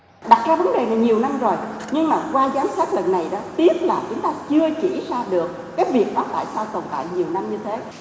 đặt ra vấn đề là nhiều năm rồi nhưng mà qua giám sát việc này rất tiếc là chưa chỉ được cái việc đó tại sao tồn tại nhiều năm như thế